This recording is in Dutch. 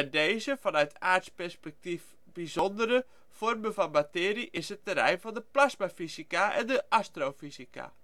deze - vanuit aards perspectief bijzondere - vormen van materie is het terrein van de plasmafysica en de astrofysica